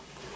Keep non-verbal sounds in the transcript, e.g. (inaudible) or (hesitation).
(hesitation) (hesitation)